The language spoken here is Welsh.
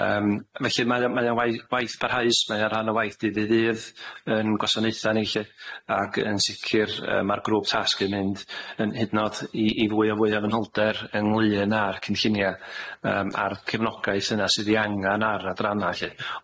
Yym felly mae o mae o'n waith parhaus mae o rhan o waith dydd i ddydd, yn gwasanaetha ni 'lly ag yn sicir yy ma'r grŵp tasg di mynd yn hyd nod i i fwy a fwy o fanylder ynglŷn â'r cynllunia' yym a'r cefnogaeth yna sydd 'i angan ar adranna 'lly.